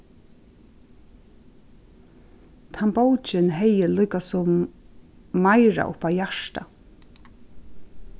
tann bókin hevði líkasum meira upp á hjarta